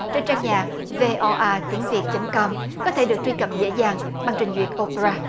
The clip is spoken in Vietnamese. trên trang nhà vê o a tiếng việt chấm com có thể được truy cập dễ dàng bằng trình duyệt ô pê ra